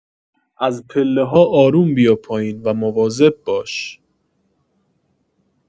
از پله‌ها آروم بیا پایین و مواظب باش